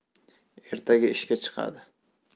ertaga ishga chiqadi